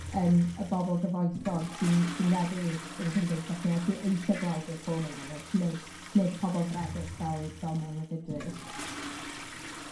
yym y bobol gyfoethog sy'n sy'n redeg ei- ein cymdeithas ni a sy eisie gweld Reform yn enill, nid nid pobol fregus fel fel mewnfudwyr.